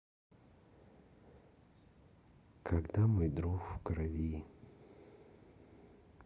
когда мой друг в крови